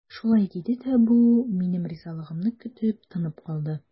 Шулай диде дә бу, минем ризалыгымны көтеп, тынып калды.